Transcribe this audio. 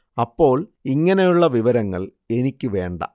അപ്പോൾ ഇങ്ങനെയുള്ള വിവരങ്ങള്‍ എനിക്ക് വേണ്ട